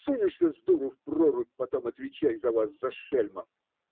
Сунешься сдуру в прорубь, потом отвечай за вас, за шельмов!